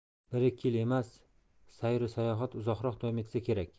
bir ikki yil emas sayru sayohat uzoqroq davom etsa kerak